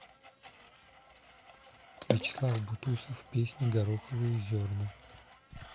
вячеслав бутусов песня гороховые зерна